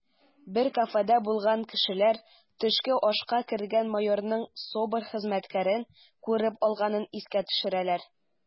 Бер кафеда булган кешеләр төшке ашка кергән майорның СОБР хезмәткәрен күреп алганын искә төшерәләр: